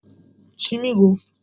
چی می‌گفت